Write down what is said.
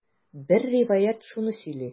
Бер риваять шуны сөйли.